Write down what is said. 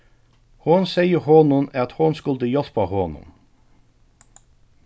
hon segði honum at hon skuldi hjálpa honum